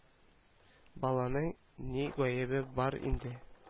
Баланың ни гаебе бар инде